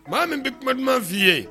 Maa min bɛ kuma dumanuma f'i ye